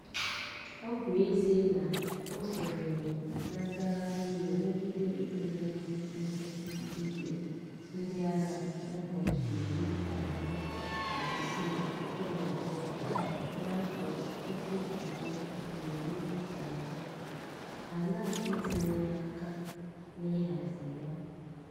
Ọ bụ ezie na o sonyere na ngagharị iwe megide ikpere ndị nkịtị ikpe ndị agha n'ụbọchị 26 nke Nọvemba na 2013, Alaa etinyeghị aka n'ịhazi ya.